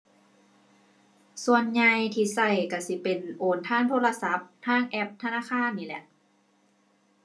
ส่วนใหญ่ที่ใช้ใช้สิเป็นโอนทางโทรศัพท์ ทางแอปธนาคารนี่แหละ